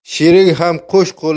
sherigi ham qo'sh